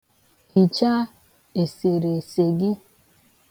Hichaa esereese gị.